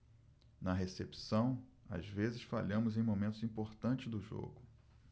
na recepção às vezes falhamos em momentos importantes do jogo